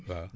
waaw